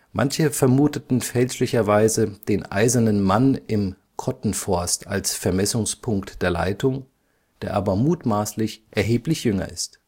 Manche vermuteten fälschlicherweise den Eisernen Mann im Kottenforst als Vermessungspunkt der Leitung, der aber mutmaßlich erheblich jünger ist